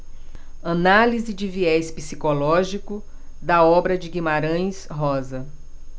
análise de viés psicológico da obra de guimarães rosa